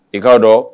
I k'a dɔn